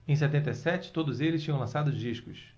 em setenta e sete todos eles tinham lançado discos